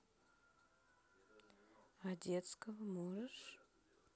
а детского можешь